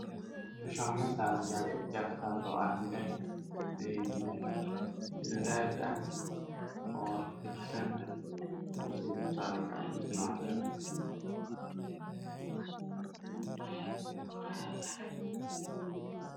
Halkaan waxaa ka muuqdo jaakad midab buuni qafiif ah waxay taalaa dhulka oo mutuleel cadaan ahna waytaalaa